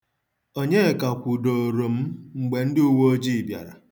Onyeka kwụdooro m mgbe ndị uweojii bịara.